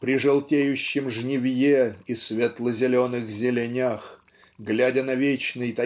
при желтеющем жнивье и светло-зеленых зеленях глядя на вечный